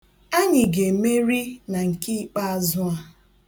Anyị ga-emeri na nke ikpeazụ a.